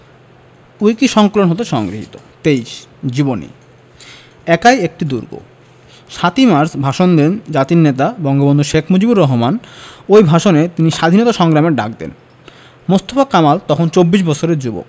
উইকিসংকলন হতে সংগৃহীত ২৩ জীবনী একাই একটি দুর্গ ৭ই মার্চ ভাষণ দেন জাতির নেতা বঙ্গবন্ধু শেখ মুজিবুর রহমান ওই ভাষণে তিনি স্বাধীনতা সংগ্রামের ডাক দেন মোস্তফা কামাল তখন চব্বিশ বছরের যুবক